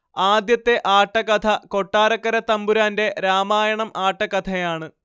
ആദ്യത്തെ ആട്ടക്കഥ കൊട്ടാരക്കര തമ്പുരാന്റെ രാമായണം ആട്ടക്കഥയാണ്